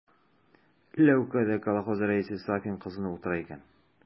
Ләүкәдә колхоз рәисе Сафин кызынып утыра икән.